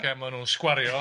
Oce, ma' nhw'n sgwario.